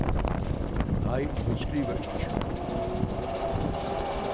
nei vit skriva ikki